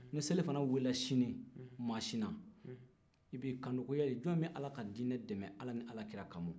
ni selifana welela sinin masina i b'i kanto hali jɔn bɛ ala ka dinɛ dɛmɛ ala ni alakira kama